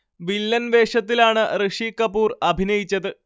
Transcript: villain വേഷത്തിലാണ് ഋഷി കപൂർ അഭിനയിച്ചത്